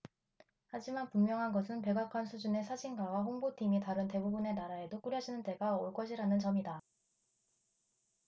하지만 분명한 것은 백악관 수준의 사진가와 홍보팀이 다른 대부분의 나라에도 꾸려지는 때가 올 것이라는 점이다